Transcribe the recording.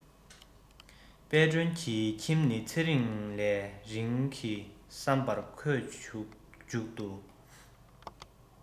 དཔལ སྒྲོན གྱི ཁྱིམ ནི ཚེ རིང ལས རིང གི བསམ པར ཁོས མཇུག ཏུ